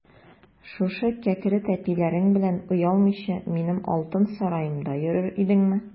Шушы кәкре тәпиләрең белән оялмыйча минем алтын сараемда йөрер идеңме?